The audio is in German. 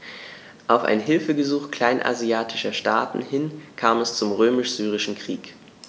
Auf ein Hilfegesuch kleinasiatischer Staaten hin kam es zum Römisch-Syrischen Krieg.